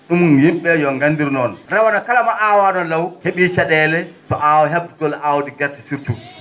?um yim?e ?ee yo nganndir noon rawani kala mbo aawaano law he?ii ca?eele to aw he?gol aawdi gerte surtout